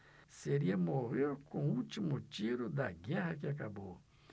seria morrer com o último tiro da guerra que acabou